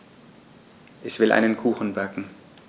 Ich will einen Kuchen backen.